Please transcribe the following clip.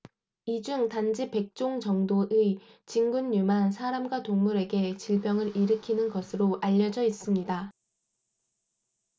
이 중 단지 백 종 정도의 진균류만 사람과 동물에게 질병을 일으키는 것으로 알려져 있습니다